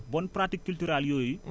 bonne pratique culturale yooyu